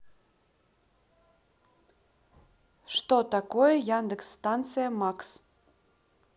что такое яндекс станция макс